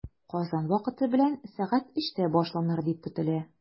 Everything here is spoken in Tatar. Казан вакыты белән сәгать өчтә башланыр дип көтелә.